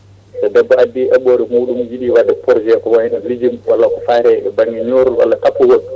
so debbo addi heɓɓore muɗum yiiɗi wadde projet ko wayno lijuum walla ko faate banggue ñootol walla tappo ngol